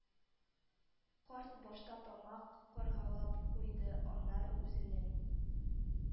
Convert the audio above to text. Карт башта тамак кыргалап куйды, аннары үзенең